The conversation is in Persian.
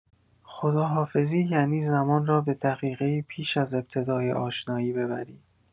خداحافظی یعنی زمان را به دقیقه‌ای پیش از ابتدای آشنایی ببری!